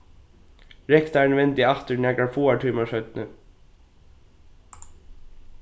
rektarin vendi aftur nakrar fáar tímar seinni